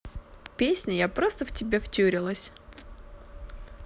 песня я просто в тебя втюрилась